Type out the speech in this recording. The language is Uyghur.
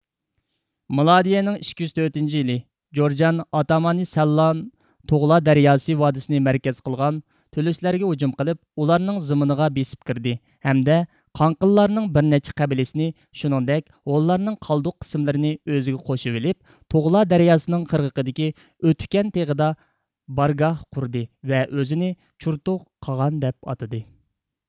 مىلادىيىنىڭ ئىككى يۈز تۆتىنچى يىلى جۇرجان ئاتامانى سەللان تۇغلا دەرياسى ۋادىسىنى مەركەز قىلغان تۆلۆسلەرگە ھۇجۇم قىلىپ ئۇلارنىڭ زېمىنىغا بېسىپ كىردى ھەمدە قاڭقىللارنىڭ بىرنەچچە قەبىلىسىنى شۇنىڭدەك ھۇنلارنىڭ قالدۇق قىسىملىرىنى ئۆزىگە قوشۇۋېلىپ تۇغلا دەرياسىنىڭ قىرغىقىدىكى ئۆتۈكەن تېغىدا بارگاھ قۇردى ۋە ئۆزىنى چۇرتۇغ قاغان دەپ ئاتىدى